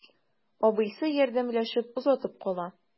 Абыйсы ярдәмләшеп озатып кала.